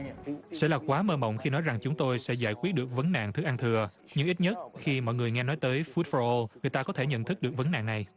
sẽ là quá mơ mộng khi nói rằng chúng tôi sẽ giải quyết được vấn nạn thức ăn thừa nhưng ít nhất khi mọi người nghe nói tới phút phô ô người ta có thể nhận thức được vấn nạn này